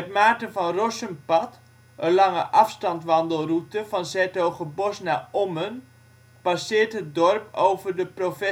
Maarten van Rossumpad, een langeafstandwandelroute van ' s-Hertogenbosch naar Ommen, passeert het dorp over de Prof.